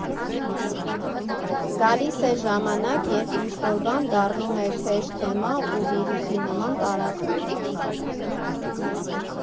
Գալիս է ժամանակ, երբ ինչ֊որ բան դառնում է թեժ թեմա ու վիրուսի նման տարածվում։